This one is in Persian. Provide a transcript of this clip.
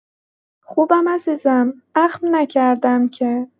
خوبم عزیزم اخم نکردم که